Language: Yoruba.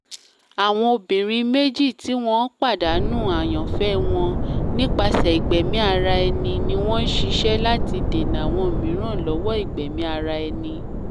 Àwọn obìnrin méjì tí wọ́n pàddánù àyànfẹ́ wọn nípaṣẹ́ ìgbẹ́mí ara ẹni ni wọ́n ń ṣiṣẹ́ láti dènà àwọn míràn lọ́wọ́ ìgbẹ̀mí ara ẹni.